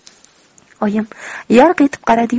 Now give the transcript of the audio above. oyim yarq etib qaradi yu